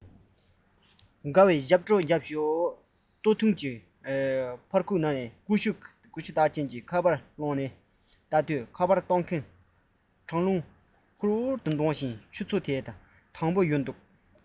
དགའ བའི ཞབས བྲོ འོ ལ རྒྱོབས ཤོག སྟོད ཐུང གི པར ཁུག ནས ཀུ ཤུ རྟགས ཅན གྱི ཁ པར ཡར བླངས ནས ལྟ དུས ཁ པར གཏོང མཁན གྲང རླུང འུར འུར ལྡང བཞིན ཆུ ཚོད དེ དང པོ ཡོལ འདུག པ མཐོང